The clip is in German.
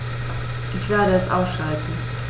Ich werde es ausschalten